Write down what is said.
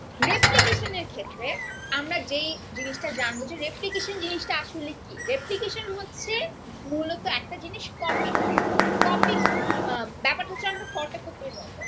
replication এর ক্ষেত্রে যে জিনিসটা জানবো রেপ্লিকেশন জিনিসটা মূলত একটা জিনিস কপি করা ব্যাপারটা হচ্ছে অনেকটা ফটোকপির মত